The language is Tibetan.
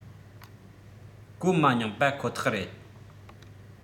གོ མ མྱོང པ ཁོ ཐག རེད